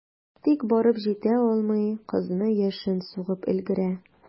Тик барып җитә алмый, кызны яшен сугып өлгерә.